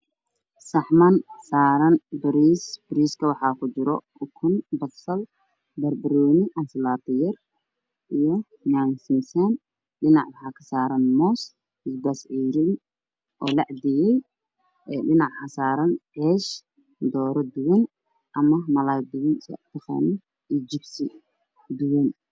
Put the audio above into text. Saxmaan saarin bariis bariiska waxaa ku jiro asal kun salato bambano iyo khudaar kaloo fara badan waxayna saaranyihiin miiska